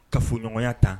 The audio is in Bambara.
Ka fɔɲɔgɔnya ta